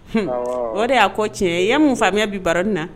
H o de y'a ko tiɲɛ ye mun faamuyaya bi baroin na